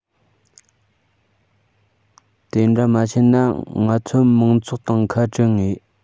དེ འདྲ མ བྱས ན ང ཚོ མང ཚོགས དང ཁ བྲལ ངེས